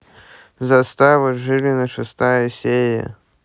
застава жилина шестая серия